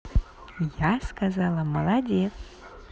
я сказала молодец